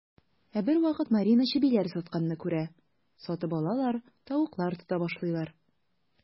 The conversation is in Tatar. Ә бервакыт Марина чебиләр сатканны күрә, сатып алалар, тавыклар тота башлыйлар.